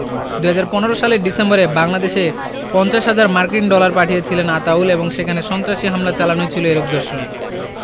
২০১৫ সালের ডিসেম্বরে বাংলাদেশে ৫০ হাজার মার্কিন ডলার পাঠিয়েছিলেন আতাউল এবং সেখানে সন্ত্রাসী হামলা চালানোই ছিল এর উদ্দেশ্য